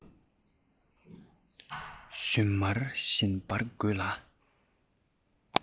ཞུན མར བཞིན འབར དགོས ལ